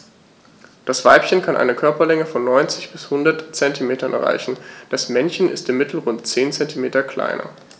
Das Weibchen kann eine Körperlänge von 90-100 cm erreichen; das Männchen ist im Mittel rund 10 cm kleiner.